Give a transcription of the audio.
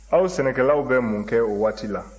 aw sɛnɛkɛlaw bɛ mun kɛ o waati la